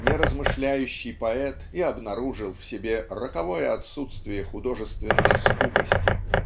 неразмышляющий поэт и обнаружил в себе роковое отсутствие художественной скупости